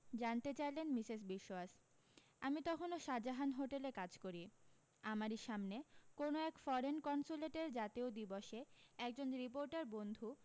জানতে চাইলেন মিসেস বিশোয়াস আমি তখনও শাজাহান হোটেলে কাজ করি আমারি সামনে কোন এক ফরেন কনসুলেটের জাতীয় দিবসে একজন রিপোর্টার বন্ধু